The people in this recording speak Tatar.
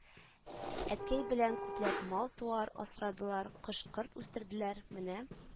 Әткәй белән күпләп мал-туар асрадылар, кош-корт үстерделәр, менә